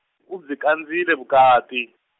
u byi kandziyile vukati.